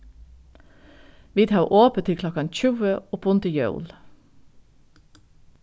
vit hava opið til klokkan tjúgu upp undir jól